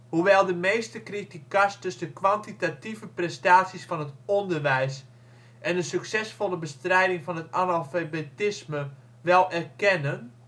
Hoewel de meeste criticasters de kwantitatieve prestaties van het onderwijs en de succesvolle bestrijding van het analfabetisme wel erkennen